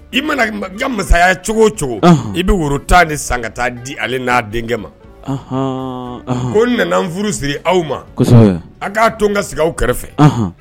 I mana ka masaya cogo o cogo i bɛ woro tan ni san ka taa di n' denkɛ ma ko nana furu siri aw ma aw k'a to n ka sigi aw kɛrɛfɛ